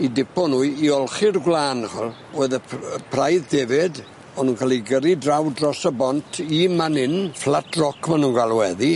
I dipo n'w i i olchi'r gwlân ch'wel' oedd y p- y praidd defyd o'n nw'n ca'l 'u gyrru draw dros y bont i man 'yn flat rock ma' nw'n galw 'eddi.